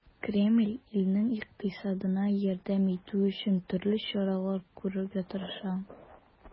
Кремль илнең икътисадына ярдәм итү өчен төрле чаралар күрергә тырыша.